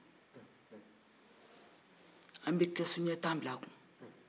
an bɛ kɛsu ɲɛ tan bila a kun